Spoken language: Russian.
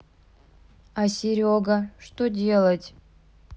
а серега что делать